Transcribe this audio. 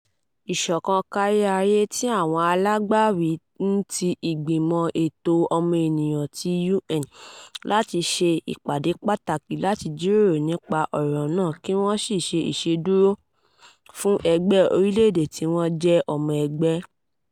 Ìṣọ̀kan káríayé tí àwọn alágbàwí ń ti Ìgbìmọ̀ Ètò Ọmọnìyàn ti UN láti ṣe ìpàdé pàtàkì láti jíròrò nípa ọ̀rọ̀ náà kí wọn ó sì ṣe ìṣèdúró fúnẹgbẹ́ orílẹ̀ èdè tí wọ́n jẹ́ ọmọ ẹgbẹ́.